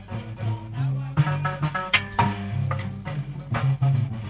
Sanunɛ yogɛnin yo